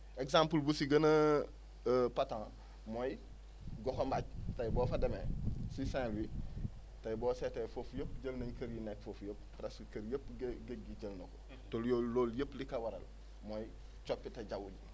exemple bu si gën a pattant mooy Goxumbath tey boo fa demee si Saint-Louis tey boo seetee foofu yëpp jël nañ kër yu nekk foofu yëpp presque kër yëpp géé géej gi jël na ko te loolu yooyu yëpp li ko waral mooy coppite jaww ji